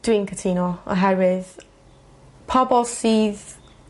Dwi'n cytuno oherwydd pobol sydd